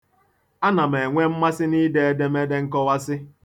Ana m enwe mmasị n'ide edemede nkọwasị.